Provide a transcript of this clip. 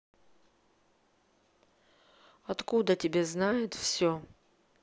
откуда тебя знает все